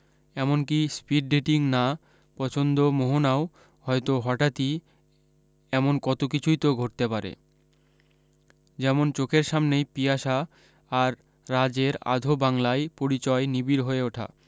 এমনকি speed dating না পসন্দ মোহনাও হয়ত হঠাত ই এমন কত কিছুই তো ঘটতে পারে যেমন চোখের সামনেই পিয়াসা আর রাজের আধো বাংলায় পরিচয় নিবিড় হয়ে ওঠা